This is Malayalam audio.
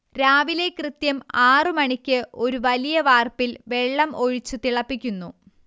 രാവിലെ കൃത്യം ആറ് മണിക്ക് ഒരു വലിയ വാർപ്പിൽ വെള്ളം ഒഴിച്ചു തിളപ്പിക്കുന്നു